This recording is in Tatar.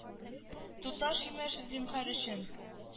Туташ имеш зинһар өчен